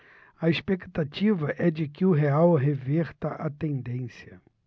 a expectativa é de que o real reverta a tendência